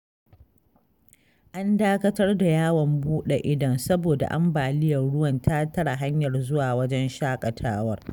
An dakatar da yawon buɗe idon saboda ambaliyar ruwan ta tare hanyar zuwa wajen shaƙatawar.